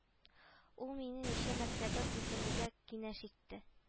Ул мине ничә мәртәбә үтерергә киңәш итте